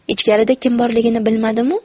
ichkarida kim borligini bilmadimu